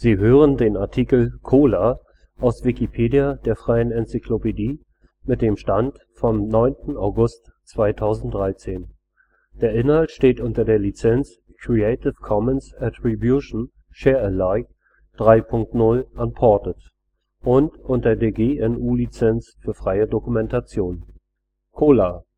hören den Artikel Cola, aus Wikipedia, der freien Enzyklopädie. Mit dem Stand vom Der Inhalt steht unter der Lizenz Creative Commons Attribution Share Alike 3 Punkt 0 Unported und unter der GNU Lizenz für freie Dokumentation. Der Titel dieses Artikels ist mehrdeutig. Weitere Bedeutungen sind unter Cola (Begriffsklärung) aufgeführt. Cola mit Eiswürfeln und Zitrone Cola